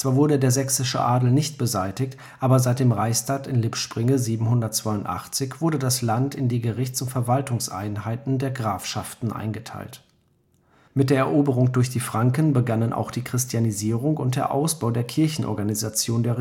wurde der sächsische Adel nicht beseitigt, aber seit dem Reichstag in Lippspringe (782) wurde das Land in die Gerichts - und Verwaltungseinheiten der Grafschaften eingeteilt. Mit der Eroberung durch die Franken begannen auch die Christianisierung und der Ausbau der Kirchenorganisation der